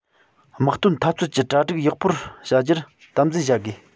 དམག དོན འཐབ རྩོད ཀྱི གྲ སྒྲིག ཡག པོ བྱ རྒྱུར དམ འཛིན བྱ དགོས